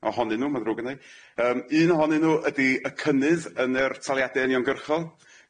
ohonynw ma'n ddrwg genna i yym un ohonynw ydi y cynnydd yn yr taliade uniongyrchol.